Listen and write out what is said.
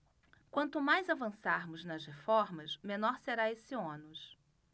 quanto mais avançarmos nas reformas menor será esse ônus